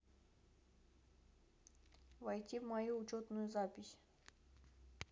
войти в мою учетную запись